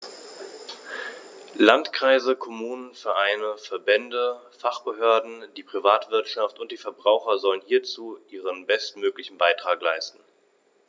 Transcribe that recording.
Landkreise, Kommunen, Vereine, Verbände, Fachbehörden, die Privatwirtschaft und die Verbraucher sollen hierzu ihren bestmöglichen Beitrag leisten.